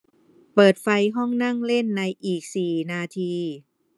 เปิดไฟห้องนั่งเล่นในอีกสี่นาที